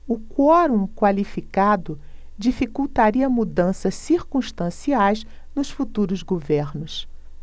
o quorum qualificado dificultaria mudanças circunstanciais nos futuros governos